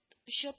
Очып